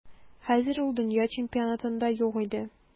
Хәзер ул дөнья чемпионатында юк иде.